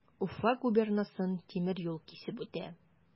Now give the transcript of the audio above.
Уфа губернасын тимер юл кисеп үтә.